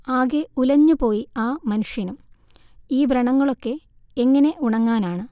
ആകെ ഉലഞ്ഞുപോയി ആ മനുഷ്യനും ഈ വ്രണങ്ങളൊക്കെ എങ്ങനെ ഉണങ്ങാനാണ്